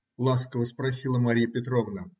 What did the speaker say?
- ласково спросила Марья Петровна.